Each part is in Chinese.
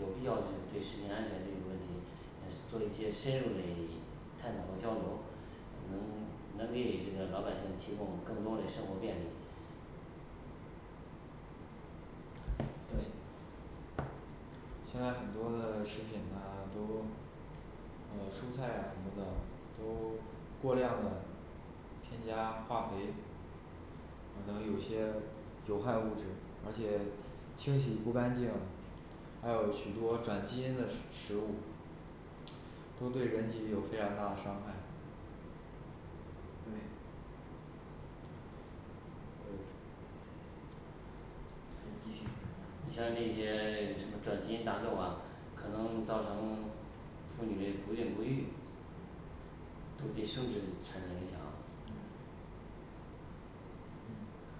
有必要就是对食品安全这一个问题呃做一些深入的一探讨和交流，能能给这个老百姓提供更多嘞生活便利。对。现在很多呢食品都蔬菜啊什么的都过量的添加化肥，可能有一些有害物质，而且清洗不干净，还有许多转基因的食食物都对人体有非常大的伤害。对。可以继续专家，你像那些 什么转基因大豆啊，可能造成妇女那不孕不育，都对生殖这产生影响。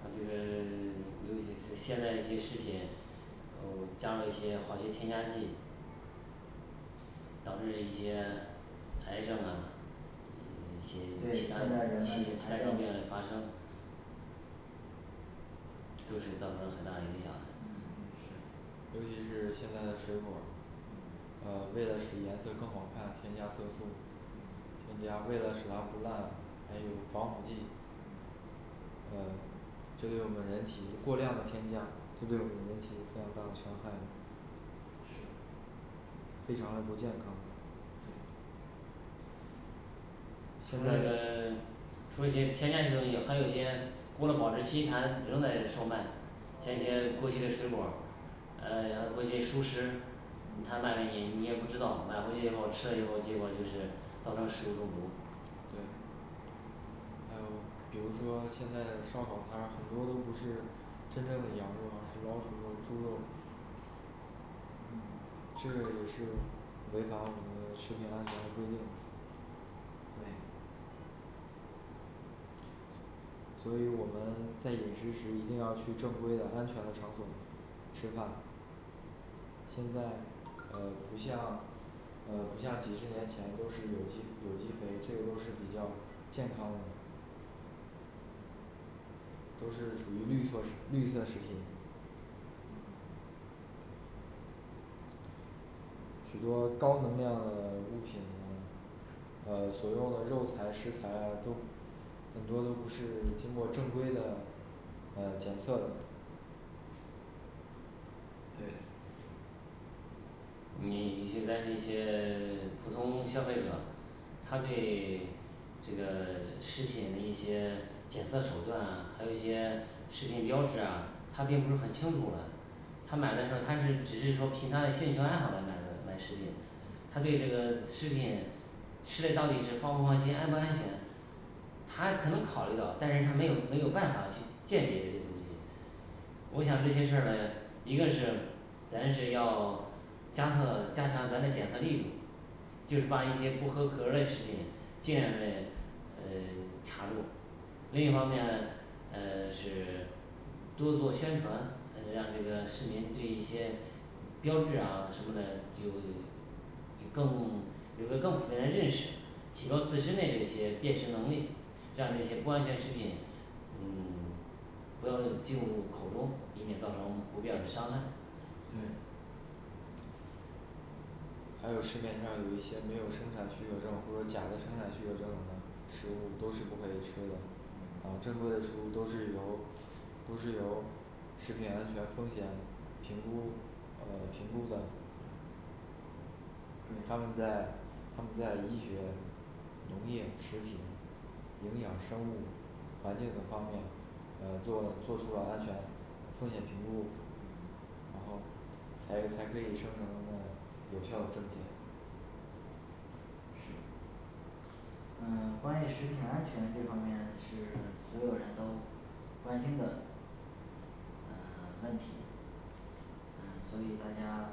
还有这个 尤其是现在一些食品哦加入一些化学添加剂，导致一些癌症啊，一些对其当代人们癌他病嘞症发生，都是造成了很大影响的。嗯是尤其是现在的水果嗯，为了使颜色更好看添加色素，嗯添加为了使它不烂，还有防腐剂嗯，呃这对我们人体过量的添加，就对我们人体非常大的伤害。非是对常的不健康现除了这在个除一些添加的东西，还有一些过了保质期，他仍在售卖像一些过期的水果儿，嗯然后过期的熟食，他卖给你，你也不知道买回去以后吃了以后结果就是造成食物中毒。对。还有比如说现在烧烤摊儿很多都不是，真正的羊肉而是老鼠和猪肉，嗯这也是违反我们食品安全的规定。对。所以我们在饮食时一定要去正规的安全的场所吃饭。现在呃不像呃不像几十年前都是有机有机肥，这个都是比较健康的，都是属于绿色食 绿色食品。嗯许多高能量的物品呃所用的肉材食材啊都很多都不是经过正规的呃检测，对，你 现在这些 普通消费者，他对 这个食品的一些检测手段啊，还有一些食品标志啊，他并不是很清楚了，他买的时候他是只是说凭他嘞兴趣爱好来买的买食品，他对这个食品吃嘞到底是放不放心，安不安全，他可能考虑到，但是他没有没有办法去鉴别这些东西。我想这些事儿呢一个是咱是要加上加强咱的检测力度，就是把一些不合格嘞食品尽量嘞呃 查住另一方面呢呃是多做宣传，呃让这个市民对一些标志啊什么嘞有 更 有个更普遍的认识，提高自身嘞这些辨识能力，让这些不安全食品嗯 不要进入口中，以免造成不必要的伤害。对。还有市面上有一些没有生产许可证或者假的生产许可证的食物都是不可以吃的嗯。啊正规的食品都是由都是由食品安全风险评估呃评估的对他们在他们在医学农业实体、营养生物环境等方面，呃做做出了安全风险评估，嗯然后才才可以生成 有效证件。是嗯 关于食品安全这方面是所有人都关心的嗯 问题，嗯所以大家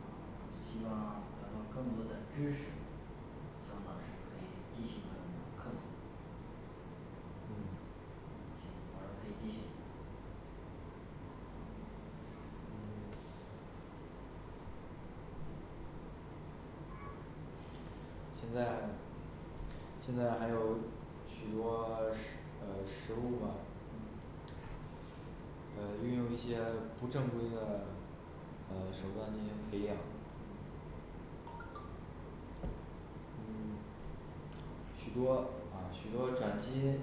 嗯希望得到更多的知识，希望老师可以继续为我们科普嗯行老师可以继续现在现在还有许多 食呃食物嘛嗯，呃运用一些不正规的呃手段进行培养。许多啊许多转基因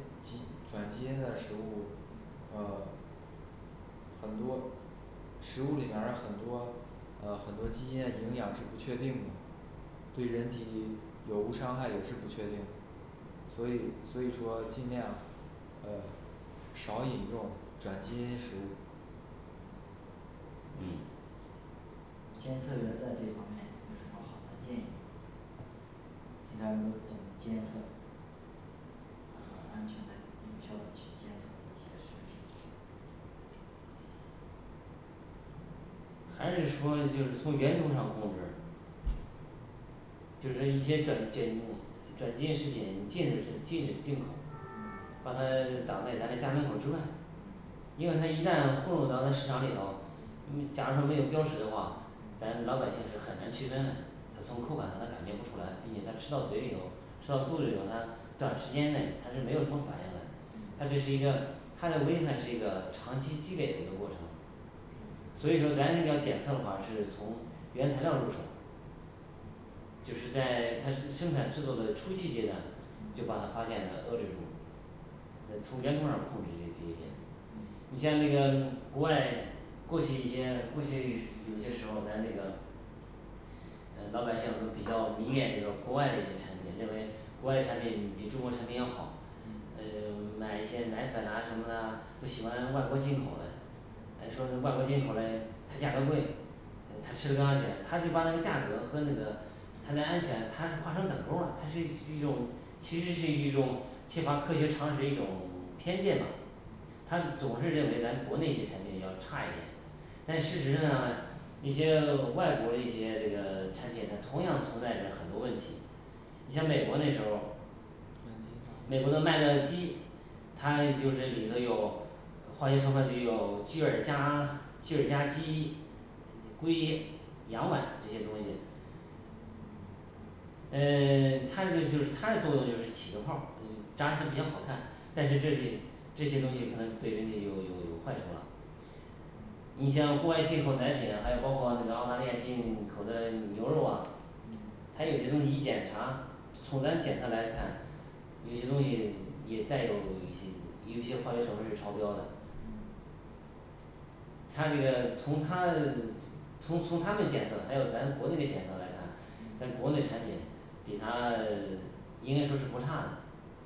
转基因的食物呃很多食物里面儿很多呃很多基因的营养是不确定的对人体有无伤害也是不确定。所以所以说尽量呃少引用转基因食物嗯监测员在这方面什么好的建议，平常你都怎么监测安全的有效的去监测一些食品，还是说就是从源头上控制就是一些转转 转基因食品禁止禁止进口嗯，把它挡在咱嘞家门口之外，嗯因为它一旦混入到咱市场里头，嗯假如说没有标识的话，咱老百姓是很难区分嘞，他从口感上他感觉不出来，并且他吃到嘴里头吃到肚里头，他短时间内他是没有什么反应嘞，嗯它就是一个它的危害是一个长期积累的过程所以说咱要检测的话是从原材料入手，就是在它生生产制做的初期阶段，就把它发现了遏制住，在从源头上控制这这些，你像这个国外过去一些过去有些时候咱这个呃老百姓都比较迷恋这个国外嘞一些产品，认为国外产品比比中国产品要好，嗯买一些奶粉啊什么的啦都喜欢外国进口嘞，哎说是外国进口嘞，它价格贵，嗯他吃的东西，他就把价格和那个它的安全，它是化成等勾儿了，它是一种其实是一种缺乏科学常识，一种 偏见吧他总是认为咱国内一些产品要差一点，但事实上一些外国的一些这个产品同样存在着很多问题，你像美国那时候，麦乐鸡块儿美国的麦乐鸡，它就是里头有化学成分里有聚二甲聚二甲基硅氧烷这些东西嗯嗯 它就是它的作用就是起个泡儿，扎起来比较好看，但是这些这些东西可能对人体有有有坏处了你像国外进口奶品，还有包括那个澳大利亚进口的牛肉啊，它有些东西一检查，从咱检测来看，有些东西也带有一些有些化学成分是超标的嗯，它这个从它呃 从从从他们检测还有咱国内的检测来看，咱国内产品比它呃 应该说是不差的，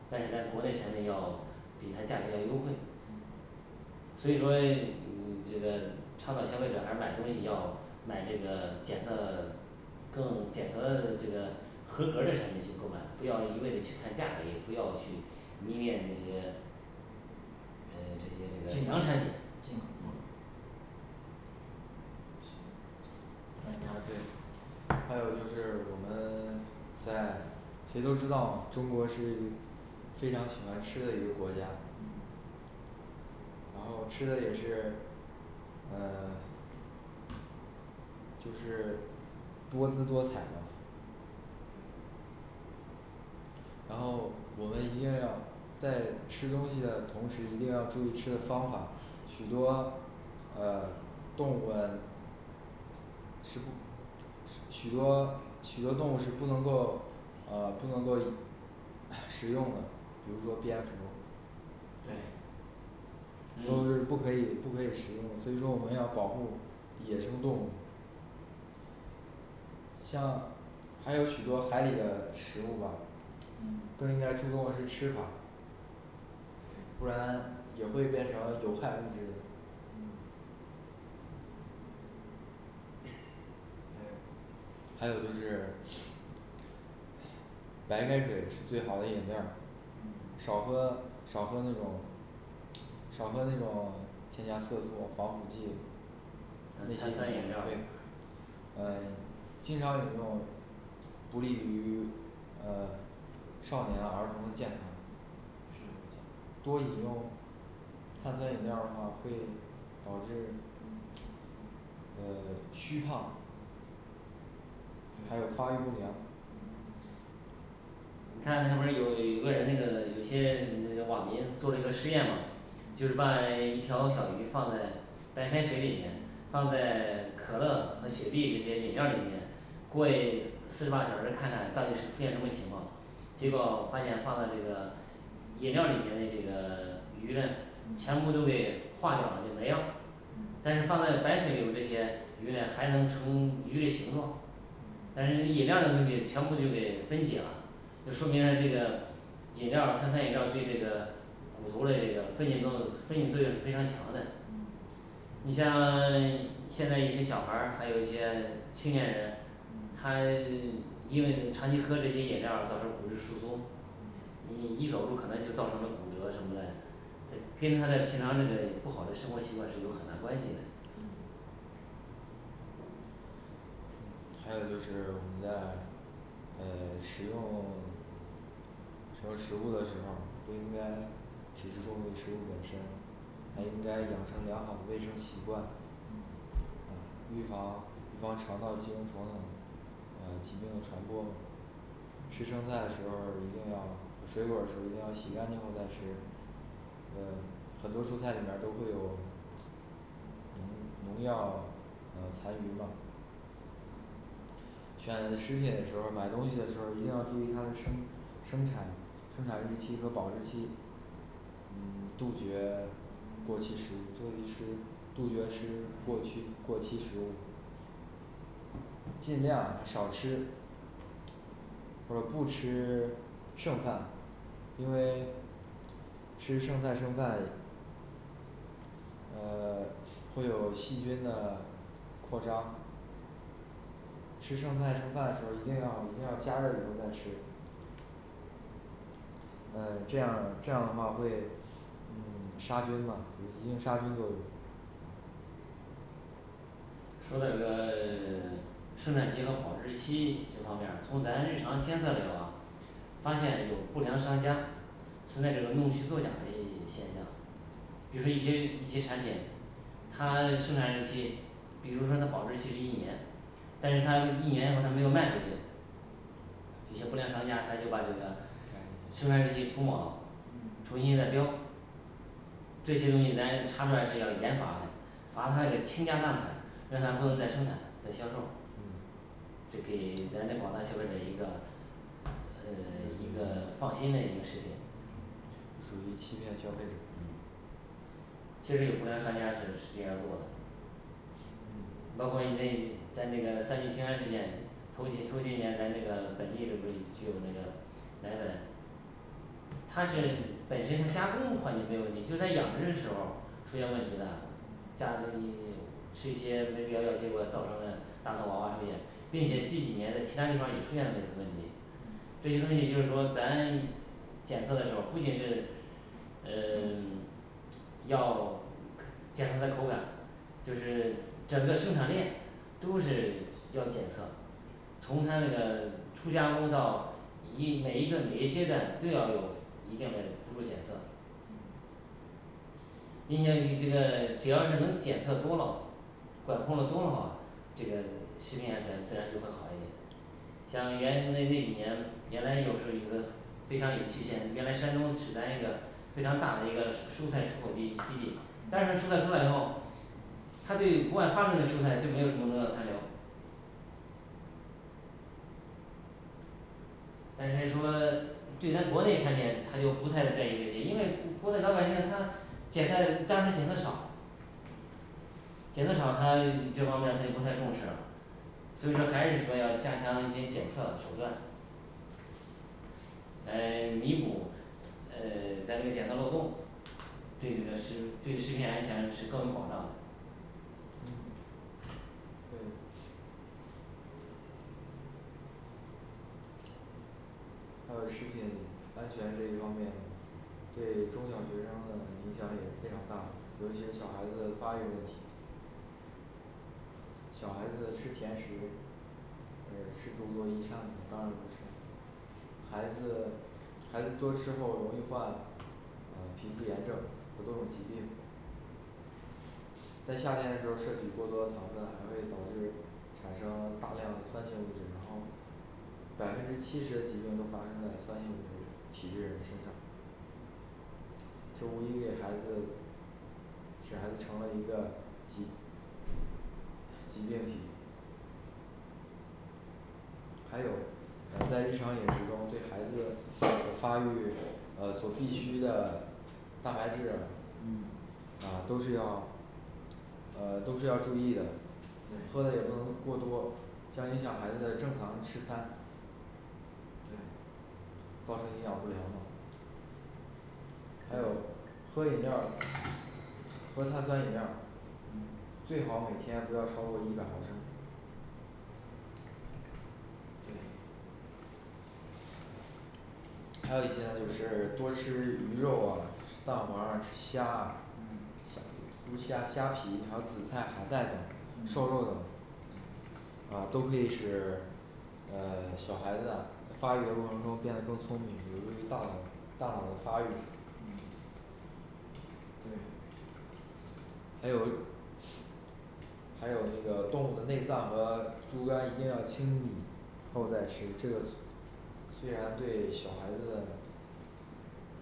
但是在国内产品要比它价格要优惠，嗯所以说你这个倡导消费者还是买东西，要买这个检测，更检测这个合格儿的产品去购买，不要一味的去看价格，也不要去迷恋这些呃这些这个这洋产品进口货专家，对还有就是 我们 在谁都知道中国是非常喜欢吃的一个国家，然后吃的也是嗯 就是多姿多彩嘛。然后我们一定要在吃东西的同时一定要注意吃的方法许多，啊动物啊事故许多许多动物是不能够啊不能够食用的，比如说蝙蝠对。都嗯是不可以不可以食用的，所以说我们要保护野生动物，像还有许多海底的食物啊，嗯更应该注重的是吃法。不然也会变成了有害物质。嗯对还有就是 白开水是最好的饮料儿嗯。少喝少喝那种少喝那种添加色素、防腐剂，嗯碳酸饮料儿对呃经常饮用不利于呃少年儿童的健康是多饮用碳酸饮料儿的话会导致呃虚胖还有发育不良嗯是你看他不是有有个人那个，有些那个网民做了个实验嘛，就是把一条小鱼放在白开水里面，放在可乐和雪碧这些饮料里面，过四十八小时看看到底是出现什么情况结果发现放在这个饮料里面嘞这个 鱼呢全部都给化掉了就没了，但是放在白水里头这些鱼呢还能成鱼的形状但是饮料的东西全部就给分解了，就说明了这个饮料儿碳酸饮料儿对这个骨头嘞这个分解作用分解作用是非常强的。嗯你像 现在一些小孩儿，还有一些青年人，他 因为长期喝这些饮料儿造成骨质疏松，你一走路可能就造成了骨折什么嘞这跟他的平常这个不好嘞生活习惯是有很大关系嘞。嗯还有就是我们在 呃食用 食用食物的时候儿不应该只是作为食物本身，还应该养成良好卫生习惯嗯，预防预防肠道，呃疾病传播，吃生菜的时候儿一定要水果儿的时候一定要洗干净后再吃，呃很多蔬菜里面儿都会有农农药残余嘛选食品的时候儿买东西的时候儿一定要注意它的生生产生产日期和保质期嗯杜绝过期食物所以吃杜绝吃过去过期食物，尽量少吃或者不吃 剩饭。 因为吃剩菜剩饭呃 会有细菌的扩张吃剩菜剩饭的时候一定一定要加热以后再吃，呃这样这样的话会嗯杀菌嘛有一定杀菌作用说到这个 生产期和保质期这方面儿，从咱日常监测的话发现有不良商家存在这个弄虚作假的 现象，比如说一些一些产品它 生产日期，比如说它保质期是一年，但是它一年以后它没有卖出去，有些不良商家他就把这个生产日期涂抹了，重新再标，这些东西咱查出来是要严罚嘞，罚他个倾家荡产，让他不能再生产再销售，这给咱的广大消费者一个呃 一个放心嘞一个食品属于欺骗消费者。嗯其实有不良商家是是这样做的包括一在在那个三聚氰胺事件头几头些年咱那个本地里不是就有那个奶粉它它是本身它加工环节没有问题，就在养殖的时候出现问题了，家里 吃一些没必要要结果造成了大头娃娃出现，并且近几年的其它地方也出现了类似问题。这些东西就是说咱检测的时候不仅是呃 要 健康的口感，就是整个生产链都是要检测，从它那个 初加工到一每一个每一阶段都要有一定的辅助检测，嗯并且这个只要是能检测多了，管控的多了嘛，这个食品安全自然就会好一点。像原那那那几年原来有时有的一个非常有曲线，原来山东是咱一个非常大的一个蔬菜出口地基地，但是蔬菜出来以后，他对国外发出的蔬菜就没有什么农药残留但是说对咱国内产品他就不太在意这些，因为国内老百姓他检测当时检测少，检测少他这方面他就不太重视了，所以说还是说要加强一些检测手段，来 弥补呃 咱们检测漏洞对这个食 对食品安全是更有保障的。还有食品安全这一方面，对中小学生的影响也非常大，尤其是小孩子的发育问题，小孩子吃甜食呃是多多益善的当然不是孩子孩子多吃后容易患皮肤炎症或多种疾病在夏天的时候摄取过多的糖分，还会导致产生大量的酸性物质，然后百分之七十的疾病都发生在酸性物质体制人身上容易给孩子使孩子成了一个疾疾疾病体还有在日常饮食中对孩子发育呃所必须的蛋白质嗯啊都是要。呃都是要注意的，对喝的也不能过多将影响孩子的正常吃饭对。造成营养不良了。还有喝饮料儿喝碳酸饮料儿嗯，最好每天不要超过一百毫升，对还有一些呢就是 多吃鱼肉，蛋黄吃虾嗯行，比如虾虾皮，还有紫菜，海带等瘦肉等嗯嗯。呃都可以使呃小孩子啊发育的过程中变得更聪明，有利于大脑大脑的发育，嗯给给对还有 还有那个动物的内脏和猪肝儿一定要清理以后再吃。这个虽然对小孩子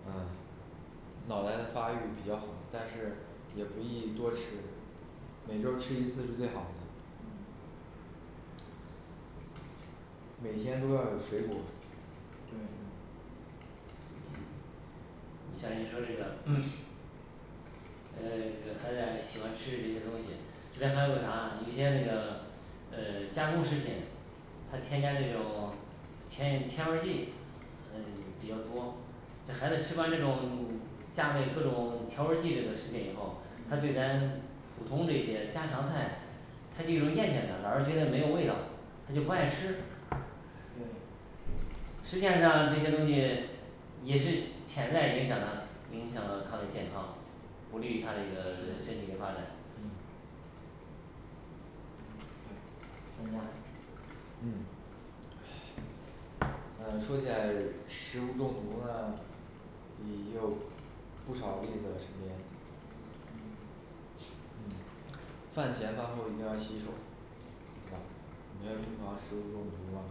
嗯脑袋发育比较好，但是也不宜多吃，每周吃一次是最好嗯每天都要有水果。对嗯你像你说这个 呃孩子还喜欢吃这些东西，这边儿还有个啥有些这个呃加工食品，他添加这种 添添味儿剂呃比较多这孩子吃惯这种 加上这各种调味儿剂这个食品以后，他对咱普通这些家常菜，他就有厌倦感，老是觉得没有味道，他就不爱吃。嗯对实践上这些东西也是潜在影响他影响到他的健康，不利于他的一个身体的发展。嗯对专家嗯呃说起来食物中毒呢，有不少例子实际嗯饭前饭后一定要洗手，是吧？没有预防食物中毒的话，